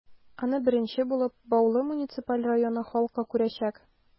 Аны беренче булып, Баулы муниципаль районы халкы күрәчәк.